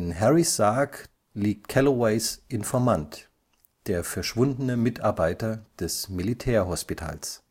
Harrys Sarg liegt Calloways Informant, der verschwundene Mitarbeiter des Militärhospitals